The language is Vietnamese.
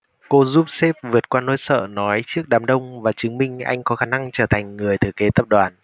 cô giúp sếp vượt qua nỗi sợ nói trước đám đông và chứng minh anh có khả năng trở thành người thừa kế tập đoàn